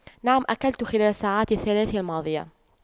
نعم أكلت خلال الساعات الثلاث الماضية